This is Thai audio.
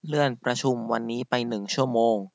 เลื่อนประชุมวันนี้ไปหนึ่งชั่วโมง